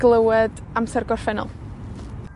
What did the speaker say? glywed amser gorffennol.